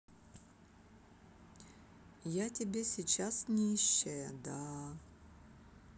я тебе сейчас нищая да